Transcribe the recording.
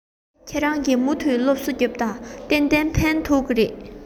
ཁྱེད རང གིས མུ མཐུད སློབ གསོ རྒྱོབས དང གཏན གཏན ཕན ཐོགས ཀྱི རེད